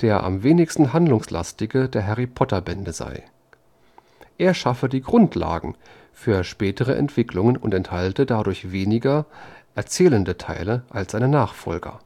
der am wenigsten handlungslastige der Harry-Potter-Bände sei. Er schaffe die Grundlagen für spätere Entwicklungen und enthalte dadurch weniger erzählende Teile als seine Nachfolger